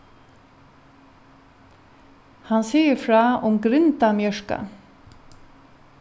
hann sigur frá um grindamjørka